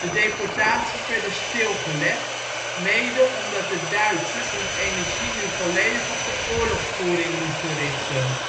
deportaties werden stilgelegd, mede omdat de Duitsers hun energie nu volledig op de oorlogsvoering moesten richten